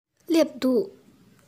སླེབས འདུག